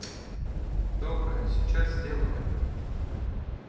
доброе сейчас сделали